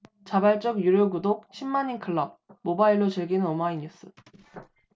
자발적 유료 구독 십 만인클럽 모바일로 즐기는 오마이뉴스